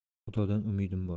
xudodan umidim bor